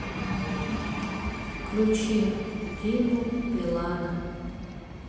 включи диму билана